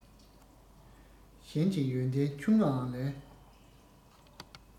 གཞན གྱི ཡོན ཏན ཆུང ངུའང ལེན